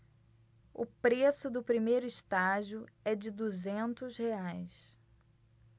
o preço do primeiro estágio é de duzentos reais